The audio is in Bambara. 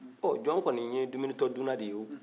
ɔ jɔn kɔni ye duminitɔ dunna de ye o